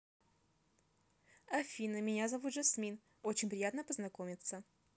афина меня зовут jasmine очень приятно познакомиться